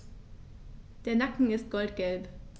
Der Nacken ist goldgelb.